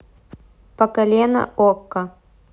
по колено okko